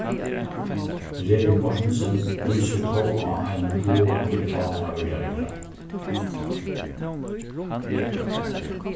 regin mortensen vísir tó á ein vága í áhugaverdari grein